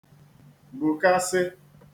gbùkasị̄